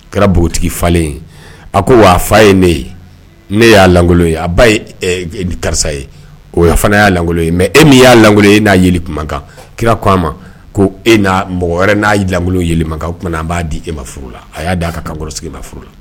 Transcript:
Kɛra npogotigi falenlen a ko wa a fa ye ne ye ne y'a golo ye a ba ye karisa ye o fana y'a langolo ye mɛ e min y'alangolo e n'a ye kumakan kira ko a ma ko e'a mɔgɔ wɛrɛ n'a ye langolo ye ma o kumaumana an b'a di e ma furula a y'a da a ka kan sigi ma furu la